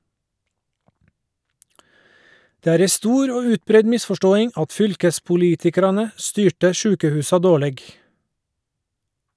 Det er ei stor og utbreidd misforståing at fylkespolitikarane styrde sjukehusa dårleg.